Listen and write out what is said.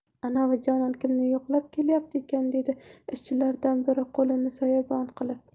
anavi jonon kimni yo'qlab kelyapti ekan dedi ishchilardan biri qo'lini soyabon qilib